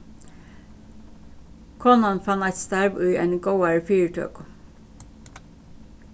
konan fann eitt starv í eini góðari fyritøku